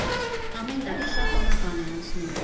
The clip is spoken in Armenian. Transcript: Ամեն տարի շատ տոնական է անցնում.